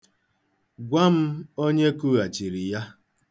Gwa m onye kughachiri ya.